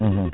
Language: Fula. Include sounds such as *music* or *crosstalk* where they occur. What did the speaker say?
*hesitation* *hesitation*